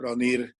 bron i'r